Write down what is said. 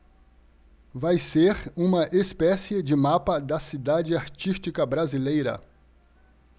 vai ser uma espécie de mapa da cidade artística brasileira